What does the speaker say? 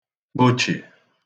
kpochè